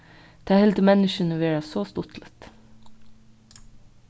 tað hildu menniskjuni vera so stuttligt